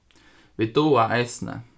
vit duga eisini